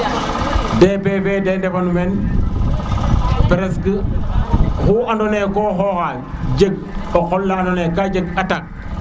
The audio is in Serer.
DPV den defa nu meen presque xu ando na ye ko xoxa jeg o qola andona ye ka jeg attaque